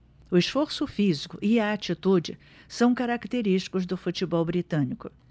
o esforço físico e a atitude são característicos do futebol britânico